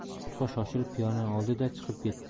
bo'tqa shoshilib piyolani oldi da chiqib ketdi